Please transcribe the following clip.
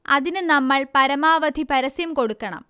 അതിന് നമ്മൾ പരമാവധി പരസ്യം കൊടുക്കണം